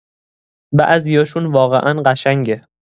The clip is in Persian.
بعضیاشون واقعا قشنگه.